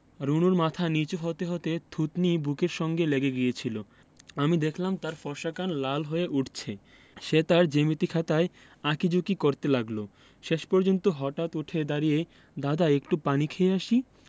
রুনুর মাথা নীচু হতে হতে থুতনি বুকের সঙ্গে লেগে গিয়েছিলো আমি দেখলাম তার ফর্সা কান লাল হয়ে উঠছে সে তার জ্যামিতি খাতায় আঁকি ঝুকি করতে লাগলো শেষ পর্যন্ত হঠাৎ উঠে দাড়িয়ে দাদা একটু পানি খেয়ে আসি